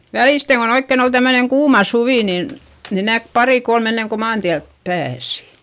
välisten kun oikein oli tämmöinen kuuma suvi niin niin näki pari kolme ennen kuin maantielle pääsi